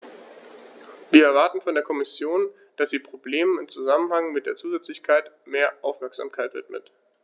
Wir erwarten von der Kommission, dass sie Problemen im Zusammenhang mit der Zusätzlichkeit mehr Aufmerksamkeit widmet.